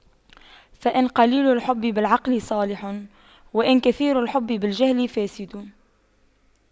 فإن قليل الحب بالعقل صالح وإن كثير الحب بالجهل فاسد